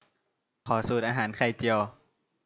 ขอสูตรอาหารไข่เจียว